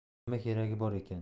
nima keragi bor ekan